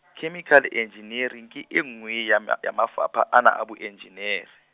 Chemical Engineering ke e nngwe ya m-, ya mafapha, ana a Boenjinere.